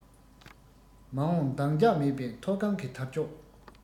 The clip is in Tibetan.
མ འོངས འདང རྒྱག མེད པའི མཐོ སྒང གི དར ལྕོག